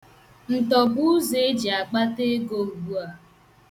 Ntọ bụ ụzọ e ji akpata ego ugbua.